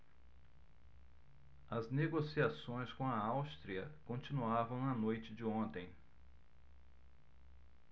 as negociações com a áustria continuavam na noite de ontem